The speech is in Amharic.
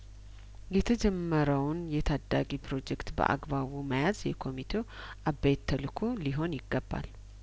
የተጀመረውን የታዳጊ ፕሮጀክት በአግባቡ መያዝ የኮሚቴው አበይት ተልእኮ ሊሆን ይገባል